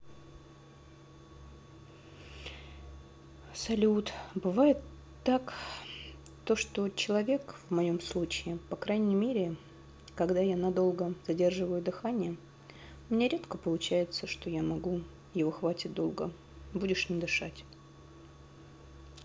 салют а бывает так то что человек в моем случае по крайней мере когда я надолго задерживаю дыхание у меня редко получается что я могу его хватит долго будешь не дышать